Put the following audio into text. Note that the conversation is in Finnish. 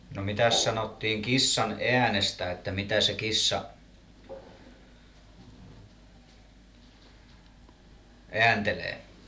no mitäs sanottiin kissan äänestä että mitä se kissa ääntelee